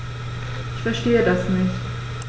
Ich verstehe das nicht.